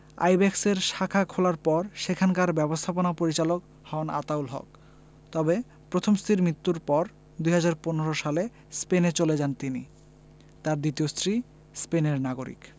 আইব্যাকসের শাখা খোলার পর সেখানকার ব্যবস্থাপনা পরিচালক হন আতাউল হক তবে প্রথম স্ত্রীর মৃত্যুর পর ২০১৫ সালে স্পেনে চলে যান তিনি তাঁর দ্বিতীয় স্ত্রী স্পেনের নাগরিক